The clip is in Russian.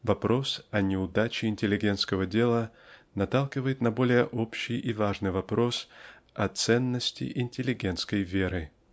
вопрос о неудаче интеллигентского дела наталкивает на более общий и важный вопрос о ценности интеллигентской веры.